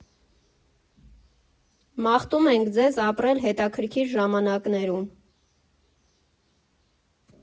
«Մաղթում ենք ձեզ ապրել հետաքրքիր ժամանակներում»։